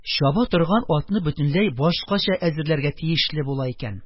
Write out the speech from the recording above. Чаба торган атны бөтенләй башкача әзерләргә тиешле була икән: